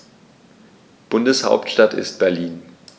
Bundeshauptstadt ist Berlin.